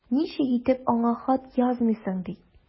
Ничек итеп аңа хат язмыйсың ди!